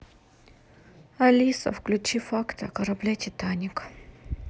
алиса включи факты о корабле титаник